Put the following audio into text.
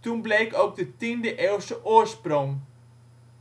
toen bleek ook de tiende eeuwse oorsprong.